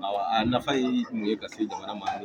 A nafa y tun ye kasi jamana maa ye